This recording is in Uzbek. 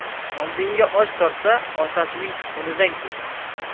oldingga osh tortsa otasining xunidan kech